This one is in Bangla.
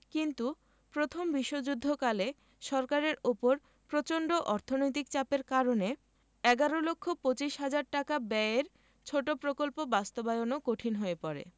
কিন্তু প্রথম বিশ্বযুদ্ধকালে সরকারের ওপর প্রচন্ড অর্থনৈতিক চাপের কারণে এগারো লক্ষ পচিশ হাজার টাকা ব্যয়ের ছোট প্রকল্প বাস্তবায়নও কঠিন হয়ে পড়ে